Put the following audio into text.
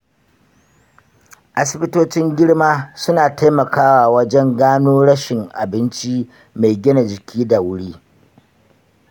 asibitocin girma suna taimakawa wajen gano rashin abinci mai gina jiki da wuri.